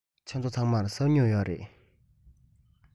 ཁྱེད ཚོ ཚང མར ས སྨྱུག ཡོད རེད